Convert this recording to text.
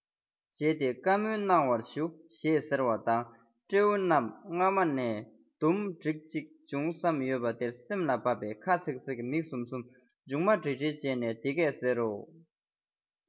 བྱེད དེ བཀའ མོལ གནང བར ཞུ ཞེས ཟེར བ དང སྤྲེའུ རྣམས སྔ མ ནས སྡུམ འགྲིག ཅིག བྱུང བསམ ཡོད པ ལྟར སེམས ལ བབས པས ཁ ཚེག ཚེག མིག ཟུམ ཟུམ མཇུག མ འགྲིལ འགྲིལ བྱས ནས འདི སྐད ཟེར རོ